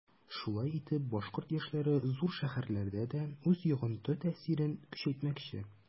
Шулай итеп башкорт яшьләре зур шәһәрләрдә дә үз йогынты-тәэсирен көчәйтмәкче.